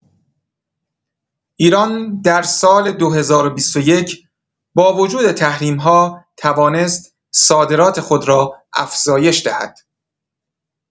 ایران در سال ۲۰۲۱ با وجود تحریم‌ها توانست صادرات خود را افزایش دهد.